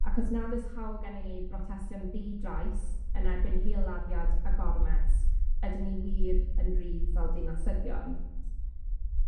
Ac os nad o's hawl gennyn ni i brotestio'n ddi-drais yn erbyn hil-laddiad a gormes, ydyn ni wir yn rydd fel dinasyddion?